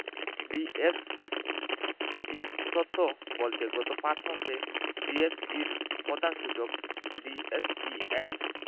ডিএসইর তথ্য বলছে গত ৫ মাসে ডিএসইর প্রধান সূচক ডিএসইএক্স